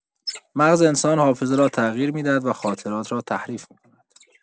مغز انسان حافظه را تغییر می‌دهد و خاطرات را تحریف می‌کند.